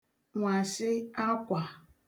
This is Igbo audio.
nwàshị akwà